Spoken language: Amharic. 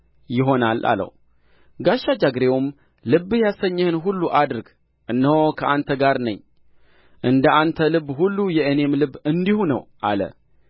ይሆናል አለው ጋሻ ጃግሬውም ልብህ ያሰኘህን ሁሉ አድርግ እነሆ ከአንተ ጋር ነኝ እንደ አንተ ልብ ሁሉ የእኔም ልብ እንዲሁ ነው አለው